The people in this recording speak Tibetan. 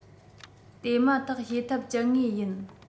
དེ མ ཐག བྱེད ཐབས སྤྱད ངེས ཡིན